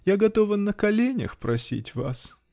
Я готова на коленях просить вас.